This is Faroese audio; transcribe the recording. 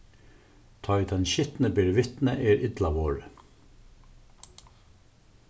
tá ið tann skitni ber vitni er illa vorðið